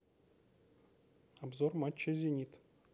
обзор матча зенит